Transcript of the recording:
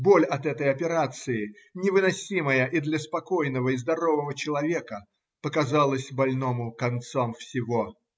Боль от этой операции, невыносимая и для спокойного и здорового человека, показалась больному концом всего.